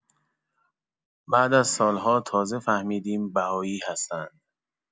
بعد از سال‌ها تازه فهمیدیم بهایی هستن.